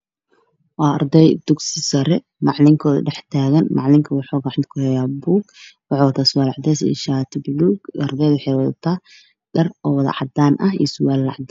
Waa arday dugsi sare oo macalinkooda dhex taagan, macalinku waxuu wataa buug, shaati buluug ah iyo surwaal cadeys, ardaydu waxay wataan dhar cadeys.